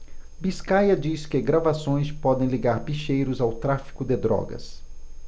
biscaia diz que gravações podem ligar bicheiros ao tráfico de drogas